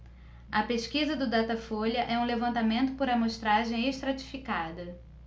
a pesquisa do datafolha é um levantamento por amostragem estratificada